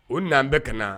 O na bɛɛ ka na